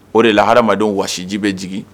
O de la hadamadenw waji bɛ jigin